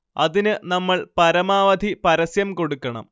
അതിന് നമ്മൾ പരമാവധി പരസ്യം കൊടുക്കണം